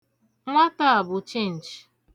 Nwata a bụ chinchin.